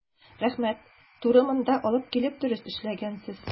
Рәхмәт, туры монда алып килеп дөрес эшләгәнсез.